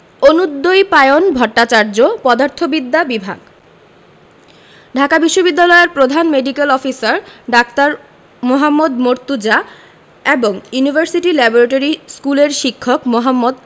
অনুদ্বৈপায়ন ভট্টাচার্য পদার্থবিদ্যা বিভাগ ঢাকা বিশ্ববিদ্যালয়ের প্রধান মেডিক্যাল অফিসার ডা. মোহাম্মদ মর্তুজা এবং ইউনিভার্সিটি ল্যাবরেটরি স্কুলের শিক্ষক মোহাম্মদ